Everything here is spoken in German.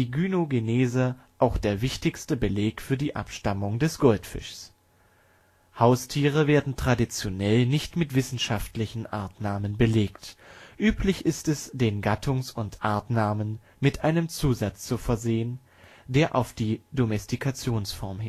Gynogenese auch der wichtigste Beleg für die Abstammung des Goldfischs. Haustiere werden traditionell nicht mit wissenschaftlichen Artnamen belegt. Üblich ist es, den Gattungs - und Artnamen mit einem Zusatz zu versehen, der auf die Domestikationsform